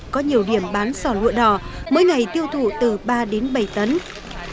có nhiều điểm bán sò lụa đỏ mỗi ngày tiêu thụ từ ba đến bẩy tấn